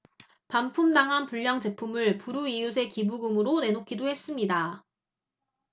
반품당한 불량제품을 불우이웃에 기부품으로 내놓기도 했습니다